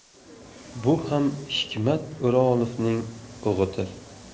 bu ham hikmat o'rolovning o'giti